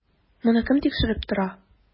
Моны кем тикшереп тора?